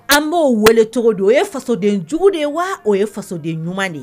An b'o weele cogo di o ye fasodenjugu de ye wa o ye fasoden ɲuman de ye.